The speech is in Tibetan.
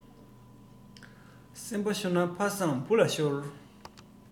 སེམས པ ཤོར ན ཕ བཟང བུ ལ ཤོར